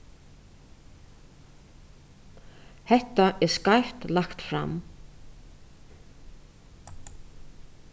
hetta er skeivt lagt fram